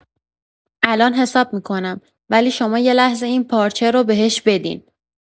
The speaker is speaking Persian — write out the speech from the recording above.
الان حساب می‌کنم، ولی شما یه لحظه این پارچه رو بهش بدین.